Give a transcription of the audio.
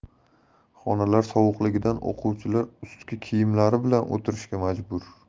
xonalar sovuqligidan o'quvchilar ustki kiyimlari bilan o'tirishga majbur